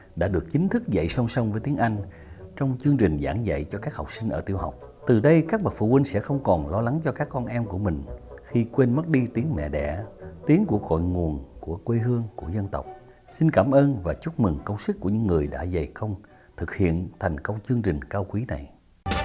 đã được chính thức dậy song song với tiếng anh trong chương trình giảng dạy cho các học sinh ở tiểu học từ đây các bậc phụ huynh sẽ không còn lo lắng cho các con em của mình khi quên mất đi tiếng mẹ đẻ tiếng của cội nguồn của quê hương của dân tộc xin cảm ơn và chúc mừng công sức của những người đã dày công thực hiện thành công chương trình cao quý này